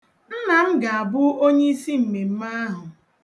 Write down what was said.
Nna m ga-abụ onyeisi mmemme ahụ.